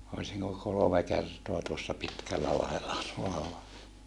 olisinko kolme kertaa tuossa Pitkällälahdella tuolla